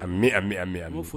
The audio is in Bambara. Ami a bɛ ami